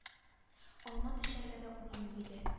Алма төшәргә дә урын юк иде